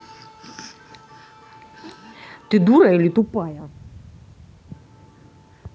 ты дура или тупая